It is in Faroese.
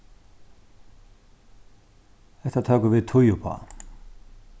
hetta tóku vit tíð uppá